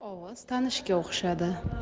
ovoz tanishga o'xshadi